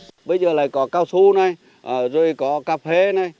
bây giờ lại có cao su này à rồi có cà phê này